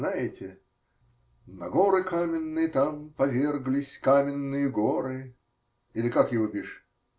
знаете: "на горы каменные там поверглись каменные горы" или как его бишь?